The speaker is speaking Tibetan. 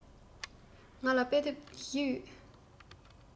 ང ལ དཔེ དེབ བཞི ཡོད